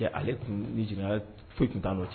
Cɛ ale tun ni jigin foyi tun t'a nɔ ten